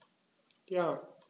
Ja.